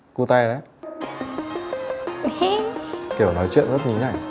cu te đấy kiểu nói chuyện rất nhí nhảnh